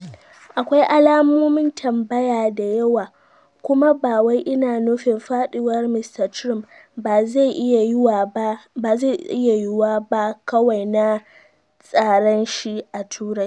akwai alamomin tambaya da yawa, kuma bawai ina nufin faduwar Mr. Trump ba zai iya yiyuwa ba-kawai na tsaran shi a turai.